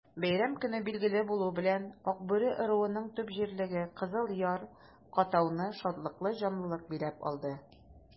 Бәйрәм көне билгеле булу белән, Акбүре ыруының төп җирлеге Кызыл Яр-катауны шатлыклы җанлылык биләп алды.